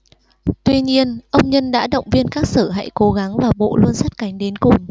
tuy nhiên ông nhân đã động viên các sở hãy cố gắng và bộ luôn sát cánh đến cùng